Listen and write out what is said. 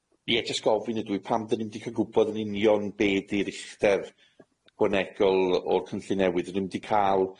Ie, jyst gofyn ydw i pam 'dyn ni'm 'di ca'l gwbod yn union be' 'di'r uchder gwanegol o'r cynllun newydd. 'Dyn ni'm 'di ca'l